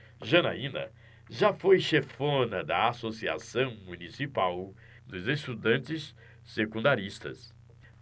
janaina foi chefona da ames associação municipal dos estudantes secundaristas